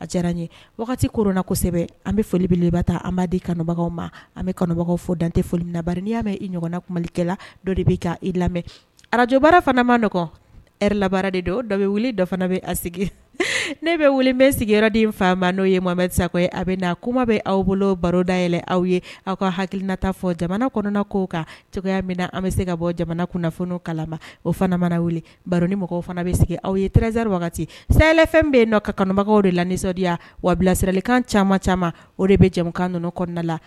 N wagati kona kosɛbɛ an bɛ folibele taa anba di kanubagaw ma an bɛ kɔnɔbagaw fɔ dantɛoli nari y'a mɛn i ɲɔgɔnna kumalikɛla la dɔ de bɛ ka i lamɛn arajobaa fanama nɔgɔ e lara de don dɔ dɔ fana bɛ a sigi ne bɛ wele bɛ sigiyɔrɔden fama n'o ye mamabɛ sakɔ a bɛ na kuma bɛ aw bolo baroday aw ye aw ka hakili nata fɔ jamana kɔnɔna ko kan cogoya min na an bɛ se ka bɔ jamana kunnafoni kalama o fana manabara wele baro nimɔgɔw fana bɛ sigi aw yerezri wagati sɛɛlɛfɛn bɛ yen nɔ ka kɔnɔbagaw de la nisɔndiyaya wabilasiralikan caman caman o de bɛ jamanakan ninnu kɔnɔna la